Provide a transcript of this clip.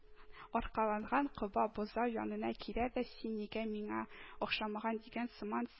Аркаланган коба бозау янына килә дә, син нигә миңа охшамаган дигән сыман